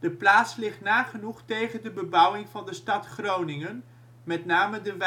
De plaats ligt nagenoeg tegen de bebouwing van de stad Groningen (met name de wijk